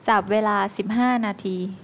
จับเวลาสิบห้านาที